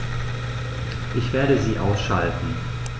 Ich werde sie ausschalten